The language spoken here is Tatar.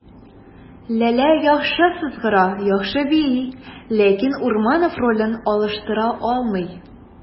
Ләлә яхшы сызгыра, яхшы бии, ләкин Урманов ролен алыштыра алмый.